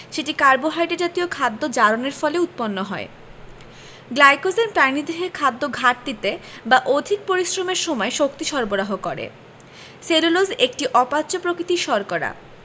সেটি কার্বোহাইড্রেট জাতীয় খাদ্য জারণের ফলে উৎপন্ন হয় গ্লাইকোজেন প্রাণীদেহে খাদ্যঘাটতিতে বা অধিক পরিশ্রমের সময় শক্তি সরবরাহ করে সেলুলোজ একটি অপাচ্য প্রকৃতির শর্করা